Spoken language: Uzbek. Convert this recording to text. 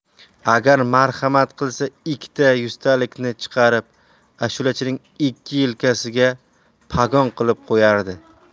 agar marhamat qilsa ikkita yuztalikni chiqarib ashulachining ikki yelkasiga pogon qilib qo'yardi